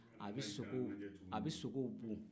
a bɛ sogow-a bɛ sogow bon